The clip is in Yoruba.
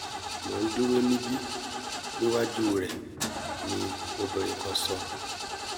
Mo ń dúró níbí ní ìwájú rẹ̀,'' ni obìnrin kan sọ.